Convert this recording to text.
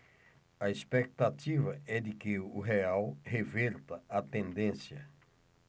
a expectativa é de que o real reverta a tendência